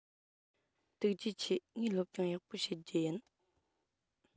ཐུགས རྗེ ཆེ ངས སློབ སྦྱོང ཡག པོ བྱེད རྒྱུ ཡིན